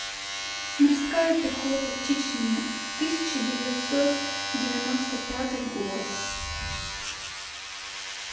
морская пехота в чечне тысяча девятьсот девяносто пятый год